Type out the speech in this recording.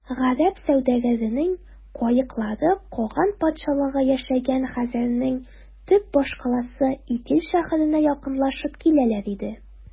Гарәп сәүдәгәренең каеклары каган патшалыгы яшәгән хәзәрнең төп башкаласы Итил шәһәренә якынлашып киләләр иде.